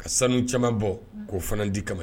Ka sanu caman bɔ k'o fana di kamalen